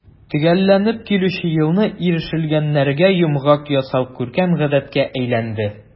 Төгәлләнеп килүче елны ирешелгәннәргә йомгак ясау күркәм гадәткә әйләнде.